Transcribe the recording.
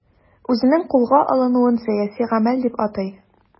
Үзенең кулга алынуын сәяси гамәл дип атый.